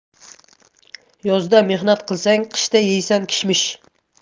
yozda mehnat qilsang qishda yeysan kishmish